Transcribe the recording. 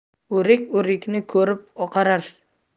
o'rik o'rikni ko'rib oqarar